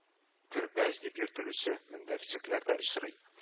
Көрпәч дип йөртелүче мендәрчекләр дә очрый